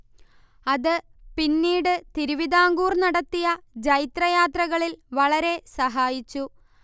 അത് പിന്നീട് തിരുവിതാംകൂർ നടത്തിയ ജൈത്രയാത്രകളിൽ വളരെ സഹായിച്ചു